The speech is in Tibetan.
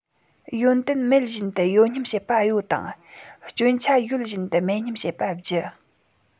ཡོན ཏན མེད བཞིན དུ ཡོད ཉམས བྱེད པ གཡོ དང སྐྱོན ཆ ཡོད བཞིན དུ མེད ཉམས བྱེད པ སྒྱུ